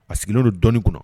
A sigilen don dɔɔnini kɔnɔ